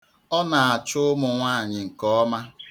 Ọ na-achụ ụmụnwaanyị nke ọma.